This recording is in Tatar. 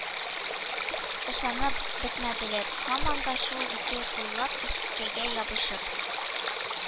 Ышанып бетмәделәр, һаман да шул ике куллап искегә ябышып